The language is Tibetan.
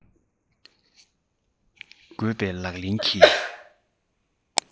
འགོད པའི ལག ལེན གྱི